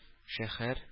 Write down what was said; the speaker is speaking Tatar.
Шәһәр